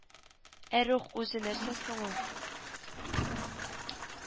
Ә рух үзе нәрсә соң ул